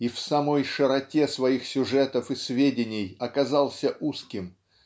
и в самой широте своих сюжетов и сведений оказался узким